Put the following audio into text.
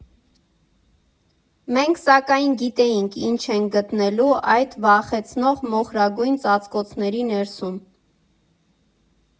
Մենք, սակայն, գիտեինք՝ ինչ ենք գտնելու այդ վախեցնող մոխրագույն ծածկոցների ներսում…